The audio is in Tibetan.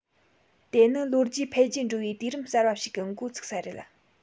དེ ནི ལོ རྒྱུས འཕེལ རྒྱས འགྲོ བའི དུས རིམ གསར པ ཞིག གི འགོ འཛུགས ས རེད